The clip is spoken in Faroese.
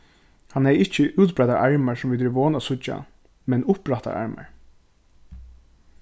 hann hevði ikki útbreiddar armar sum vit eru von at síggja men upprættar armar